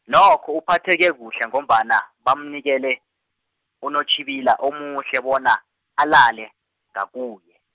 nokho uphatheke kuhle ngombana bamnikela, unontjhibila omuhle bona, alale ngakuye.